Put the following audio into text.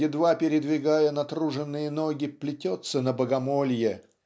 едва передвигая натруженные ноги плетется на богомолье